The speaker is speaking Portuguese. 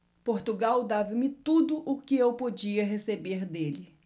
portugal dava-me tudo o que eu podia receber dele